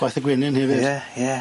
Gwaith y gwenyn hefyd. Ie ie.